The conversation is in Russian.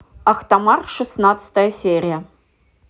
ахтамар шестнадцатая серия